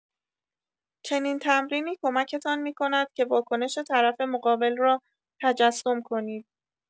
چنین تمرینی کمکتان می‌کند که واکنش طرف مقابل را تجسم کنید.